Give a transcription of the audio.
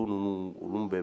U ninnu olu bɛ